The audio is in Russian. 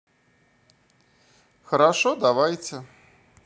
хорошо давайте